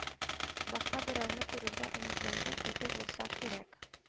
Башка берәүне күрергә өметләнгән иде булса кирәк